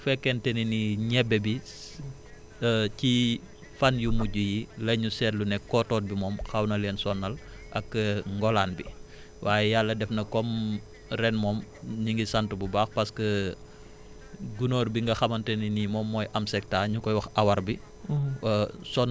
xanaa bu fekkente ne ni ñebe bi ci fan yu mujj yii la ñu seetlu ne kootoot bi moom xaw na leen sonal ak ngolaan bi waaye yàlla def na comme ren moom ñi ngi sant bu baax parce que gunóor bi nga xamante ne ni moom mooy amsecta ñu koy wax awar bi